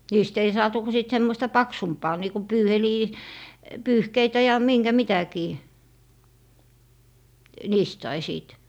niistä ei saatu kuin sitten semmoista paksumpaa niin kuin - pyyhkeitä ja minkä mitäkin niistä sai sitten